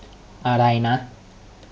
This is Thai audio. อะไรนะ